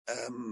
yym...